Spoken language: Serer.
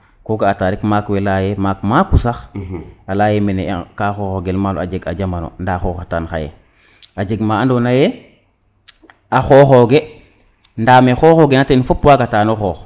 ko ga a ta rek maak we leya ye maak maku sax a ley aye mene ka xoxogel malo a jeg a jamano nda xoxa tan xaye a jeg ma ando naye a xoxoge nda me xoxogena ten fop wagata o xoox `